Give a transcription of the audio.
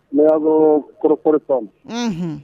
N'i y'a sɔrɔ kɔrɔfɔ bɛ faamu, unhun.